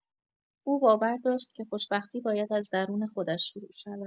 او باور داشت که خوشبختی باید از درون خودش شروع شود.